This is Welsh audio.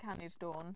Canu'r dôn.